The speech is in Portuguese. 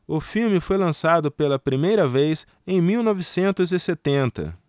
o filme foi lançado pela primeira vez em mil novecentos e setenta